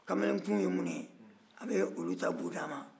kamalenkun ye minnu ye a bɛ olu ta bɔ a dan ma